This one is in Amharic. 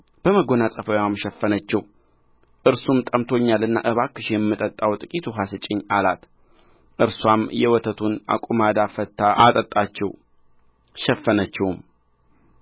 በመጐናጸፊያዋም ሸፈነችው እርሱም ጠምቶኛልና እባክሽ የምጠጣው ጥቂት ውኃ ስጭኝ አላት እርስዋም የወተቱን አቁማዳ ፈትታ አጠጣችው ሸፈነችውም እርሱም